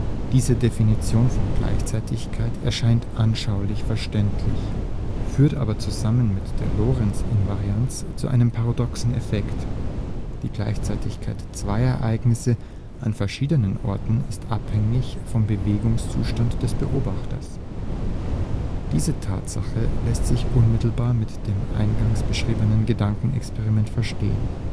Diese Definition von Gleichzeitigkeit erscheint anschaulich verständlich, führt aber zusammen mit der Lorentz-Invarianz zu einem paradoxen Effekt: Die Gleichzeitigkeit zweier Ereignisse an verschiedenen Orten ist abhängig vom Bewegungszustand des Beobachters. Diese Tatsache lässt sich unmittelbar mit dem eingangs beschriebenen Gedankenexperiment verstehen